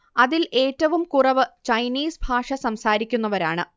അതിൽ ഏറ്റവും കുറവ് ചൈനീസ് ഭാഷ സംസാരിക്കുന്നവരാണ്